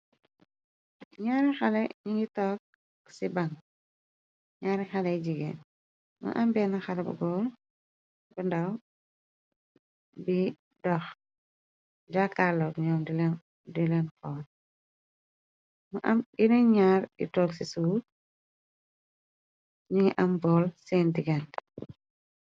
Naari xale ñu ngi toog ci ban ñaari xaley jigée mu am benna xale b góor bo ndaw bi dox jàakaalor ñoom dileen xool mu am yeneen ñaar yu toog ci suur ñungi am bool seen digante.